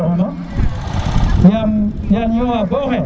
yaàm yaam ñowa bo xaye